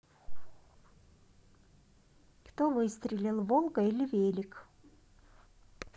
кто выстрелил волга или велик